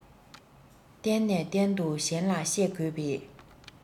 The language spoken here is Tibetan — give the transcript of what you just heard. གཏན ནས གཏན དུ གཞན ལ བཤད དགོས པའི